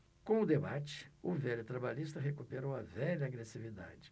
com o debate o velho trabalhista recuperou a velha agressividade